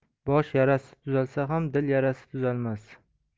bosh yarasi tuzalsa ham dil yarasi tuzalmas